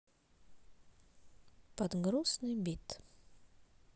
под грустный бит